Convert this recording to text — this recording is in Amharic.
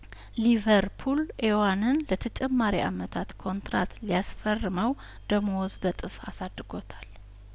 ሊቨርፑል ኤዋንን ለተጨማሪ አመታት ኮንትራት ሊያስ ፈርመው ደሞዝ በእጥፍ አሳድጐታል